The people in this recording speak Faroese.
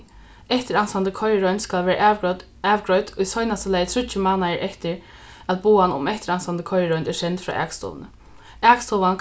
eftiransandi koyriroynd skal verða avgreidd í seinasta lagi tríggjar mánaðir eftir at boðan um eftiransandi koyriroynd er send frá akstovuni akstovan